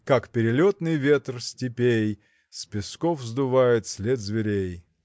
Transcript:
Как перелетный ветр степей С песков сдувает след зверей.